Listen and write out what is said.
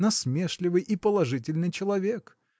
насмешливый и положительный человек.